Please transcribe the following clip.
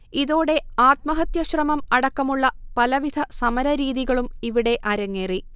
ഇതോടെ ആത്മഹത്യ ശ്രമം അടക്കമുള്ള പലവിധ സമരരീതികളും ഇവിടെ അരങ്ങേറി